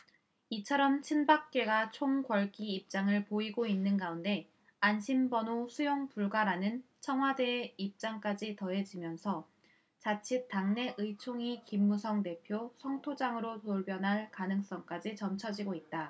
이처럼 친박계가 총궐기 입장을 보이고 있는 가운데 안심번호 수용불가라는 청와대 입장까지 더해지면서 자칫 당내 의총이 김무성 대표 성토장으로 돌변할 가능성까지 점쳐지고 있다